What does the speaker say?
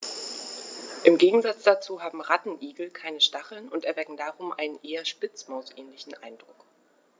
Im Gegensatz dazu haben Rattenigel keine Stacheln und erwecken darum einen eher Spitzmaus-ähnlichen Eindruck.